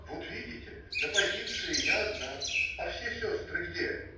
- Вот видите, на позиции я одна, а все сестры где?